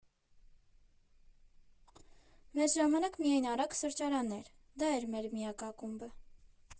Մեր ժամանակ միայն «Արաքս» սրճարանն էր՝ դա էր մեր միակ «ակումբը»։